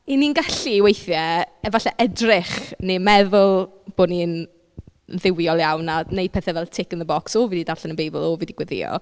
Y' ni'n gallu weithiau efallai edrych neu meddwl bo' ni'n dduwiol iawn a wneud pethe fel tick in the box "w fi di darllen y Beibl w fi di gweddïo".